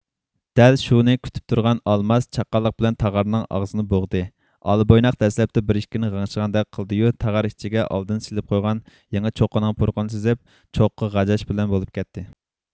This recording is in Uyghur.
دەل شۇنى كۈتۈپ تۇرغان ئالماس چاققانلىق بىلەن تاغارنىڭ ئاغزىنى بوغدى ئالا بويناق دەسلەپتە بىر ئىككىنى غىڭشىغاندەك قىلدىيۇ تاغار ئىچىگە ئالدىن سېلىپ قويغان يېڭى چوققىنىڭ پۇرىقىنى سىزىپ چوققا غاجاش بىلەن بولۇپ كەتتى